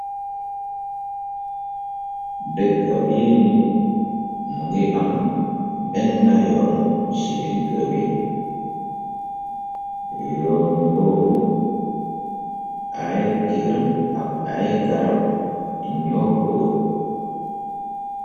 Dekka bii ni mungi am ben na yoon ci digga bi yoon woowu ay kir ak ay garab nyor ko wor.